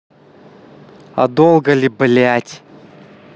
а долго ли блядь